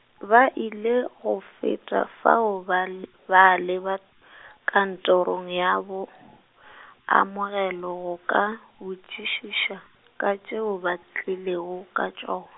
ba ile go feta fao ba l-, ba leba , kantorong ya boamogelo, go ka, botšišiša, ka tšeo ba tlilego ka tšo.